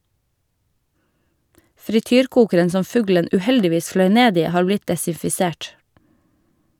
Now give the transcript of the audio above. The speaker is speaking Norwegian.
Frityrkokeren som fuglen uheldigvis fløy ned i, har blitt desinfisert.